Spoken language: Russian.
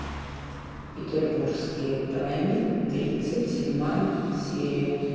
петербургские тайны тридцать седьмая серия